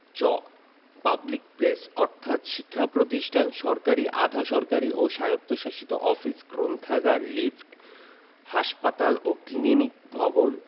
চ public place অর্থ শিক্ষা প্রতিষ্ঠান সরকারী আধা সরকারী ও স্বায়ত্তশাসিত অফিস গ্রন্থাগান লিফট হাসপাতাল ও ক্লিনিক ভবন